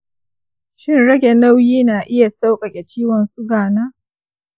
shin rage-nauyi na iya sauƙaƙe ciwon sugana?